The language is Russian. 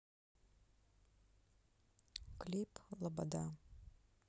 клип лобода